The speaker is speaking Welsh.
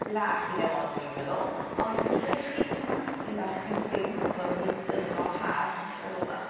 Rhy fach i felon o'n i'n meddwl. Ond mi gesh i egin blanhigyn bach gin ffrind o'dd o wedi dyfu fo o had a nesh i feddwl wel